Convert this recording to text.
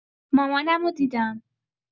مامانمو دیدم